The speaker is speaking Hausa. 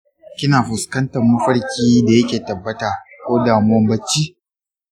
kina fuskantan mafarki da yake tabbata ko damuwan bacci?